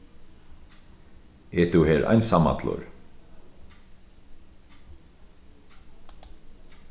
er tú her einsamallur